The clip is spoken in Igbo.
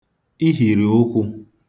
ihìrì ụkwụ̄